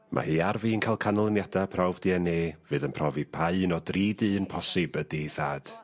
Ma' hi ar fin ca'l canlyniada prawf Dee En Ay fydd yn profi pa un o dri dyn posib ydi 'i thad.